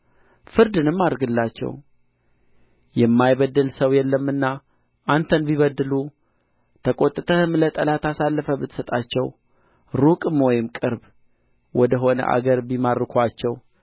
ፍርድንም አድርግላቸው የማይበድል ሰው የለምና አንተን ቢበድሉ ተቈጥተህም ለጠላት አሳልፈህ ብትሰጣቸው ሩቅም ወይም ቅርብ ወደ ሆነ አገር ቢማርኩአቸው